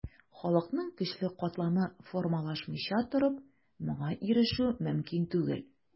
Халыкның көчле катламы формалашмыйча торып, моңа ирешү мөмкин түгел.